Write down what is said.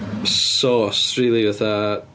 Source rili fatha...